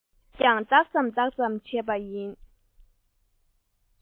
ངས ཀྱང ལྡག ཙམ ལྡག ཙམ བྱས པ ཡིན